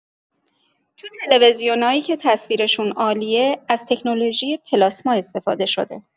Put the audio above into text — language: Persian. تو تلویزیونایی که تصویرشون عالیه، از تکنولوژی پلاسما استفاده شده.